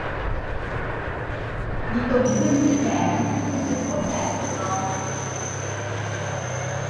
มีตุ่มขึ้นที่แขนรู้สึกปวดแสบปวดร้อน